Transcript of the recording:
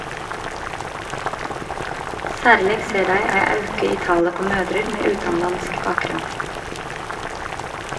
Særleg ser dei ei auke i talet på mødrer med utanlandsk bakgrunn.